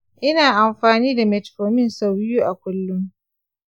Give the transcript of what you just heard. ina amfani da metformin sau-biyu a kullum.